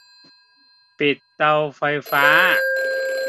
ปิดเตาไฟฟ้า